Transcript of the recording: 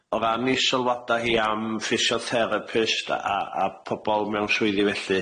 O ran 'i sylwada hi am ffisiotherapists, a a a pobol mewn swyddi felly